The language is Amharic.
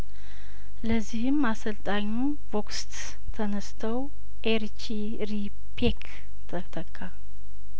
ለዚህም አሰልጣኙ ቮግትስ ተነስተው ኤሪ ሪፔክ ተተካ